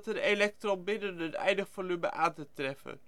elektron binnen een eindig volume aan te treffen